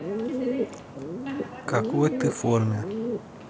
какой ты форме